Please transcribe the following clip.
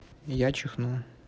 я чихну